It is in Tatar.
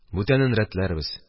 Бүтәнен рәтләрбез.